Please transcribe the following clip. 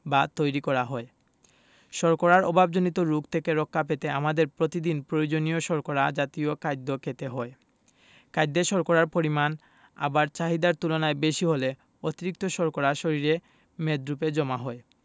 বা তৈরী করা হয় শর্করার অভাবজনিত রোগ থেকে রক্ষা পেতে আমাদের প্রতিদিন প্রয়োজনীয় শর্করা জাতীয় খাদ্য খেতে হয় খাদ্যে শর্করার পরিমাণ আবার চাহিদার তুলনায় বেশি হলে অতিরিক্ত শর্করা শরীরে মেদরুপে জমা হয়